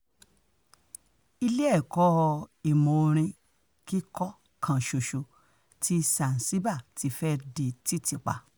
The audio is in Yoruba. Ilé ẹ̀kọ́ ìmọ̀ orin kíkọ kan ṣoṣo ní Zanzibar ti fẹ́ di títì pa